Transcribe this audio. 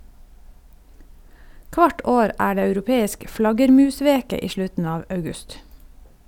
Kvart år er det europeisk flaggermusveke i slutten av august.